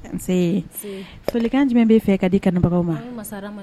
Solikan jumɛn bɛ' fɛ ka di kanubagaw ma